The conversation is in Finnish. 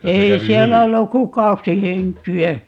ei siellä ollut kuin kaksi henkeä